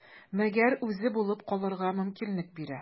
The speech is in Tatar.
Мәгәр үзе булып калырга мөмкинлек бирә.